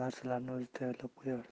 narsalarni o'zi tayyorlab qo'yardi